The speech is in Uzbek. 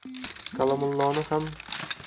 kalomulloni ham xor